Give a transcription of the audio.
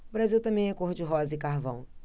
o brasil também é cor de rosa e carvão